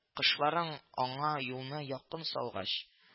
Кышларын аңа юлны якын салгач